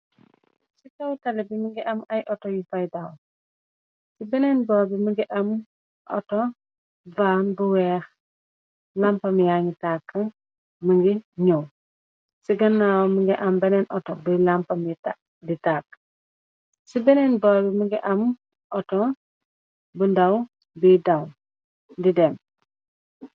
ci taw tale bi mangi am ay auto yu fay daaw ci beneen boor bi mëngi am auto vaan bu weex lampamiani tàkk më ngi ñoow ci gannaaw më ngi am beneen auto buy amdi tàkk ci beneen boor bi mëngi am auto bu ndaw bi daw di dem